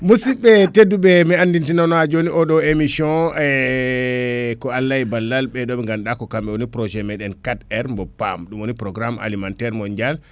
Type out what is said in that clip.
musiɓɓe tedduɓe mi andite noon ha joni oɗo emission ko Allah e ballal ɓeɗe ɓe ganduɗa ko kamɓe woni projet meɗen quatre aire mo PAM woni programme alimentaire mondial